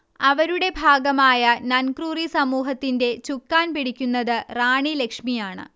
അവരുടെ ഭാഗമായ നൻക്രുറി സമൂഹത്തിന്റെ ചുക്കാൻ പിടിക്കുന്നത് റാണി ലക്ഷ്മിയാണ്